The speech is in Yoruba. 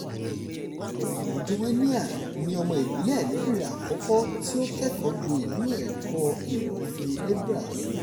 Joenia ni ọmọ ìbílẹ̀ lóbìnrin àkọ́kọ́ tí ó kẹ́kọ̀ọ́ gboyè nínú ẹ̀kọ́ ìmọ̀ òfin ní Brazil.